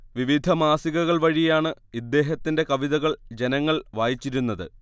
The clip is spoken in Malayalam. വിവിധ മാസികകൾ വഴിയാണ് ഇദ്ദേഹത്തിന്റെ കവിതകൾ ജനങ്ങൾ വായിച്ചിരുന്നത്